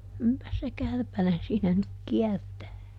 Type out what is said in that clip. - se kärpänen siinä nyt kiertää